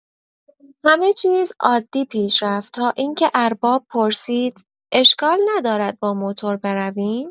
همه چیز عادی پیش می‌رفت تا اینکه ارباب پرسید: اشکال ندارد با موتور برویم؟